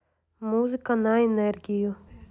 музыка на энергию